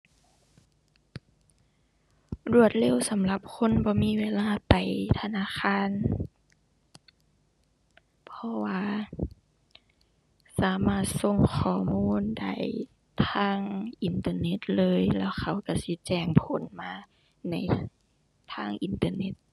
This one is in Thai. รวดเร็วสำหรับคนบ่มีเวลาไปธนาคาร เพราะว่าสามารถส่งข้อมูลได้ทางอินเทอร์เน็ตเลย แล้วเขาก็สิแจ้งผลมาในทางอินเทอร์เน็ต